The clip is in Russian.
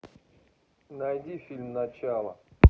найди фильм начало